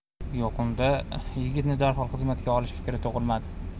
yo'q unda yigitni darhol xizmatga olish fikri tug'ilmadi